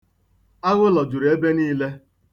Aghụlọ̀ juru ebe niile.